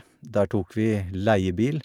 Der tok vi leiebil.